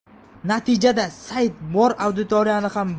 natijada sayt bor auditoriyani ham